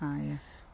A ie.